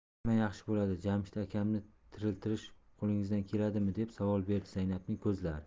nima yaxshi bo'ladi jamshid akamni tiriltirish qo'lingizdan keladimi deb savol berdi zaynabning ko'zlari